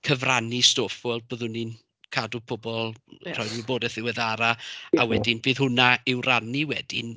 Cyfrannu stwff, wel, byddwn ni'n cadw pobl... ie. ...rhoi'r wybodaeth ddiweddara, a wedyn bydd hwnna i'w rannu wedyn.